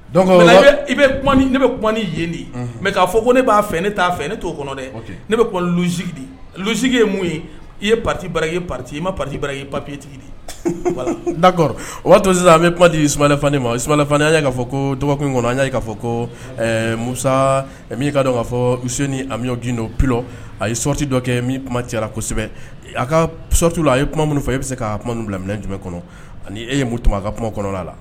I ne bɛ kuma yeli mɛ k'a fɔ ko ne b'a fɛ ne t'a fɛ ne t' o kɔnɔ dɛ ne bɛ lu lusi ye mun ye i ye pati barai pati i ma pa bara ii papiye tigi di dakɔrɔ o to sisan an kumati sman ma bisimilauma''a fɔ ko kɔnɔ y'aa fɔ ko musa ka k'a fɔmi dɔ plo a ye soti dɔ kɛ min kuma caya kosɛbɛ a ka sotu la a ye kuma minnu fɔ e bɛ se ka kuma minnu bila minɛ jumɛn kɔnɔ ani e ye mun a ka kuma kɔnɔ la